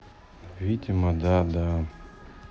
ну видимо да да